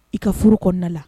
I ka furu kɔnɔna la.